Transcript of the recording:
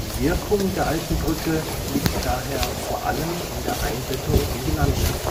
Wirkung der Alten Brücke liegt dabei vor allem in der Einbettung in die Landschaft